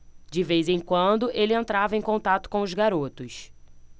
de vez em quando ele entrava em contato com os garotos